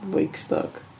Wakestock?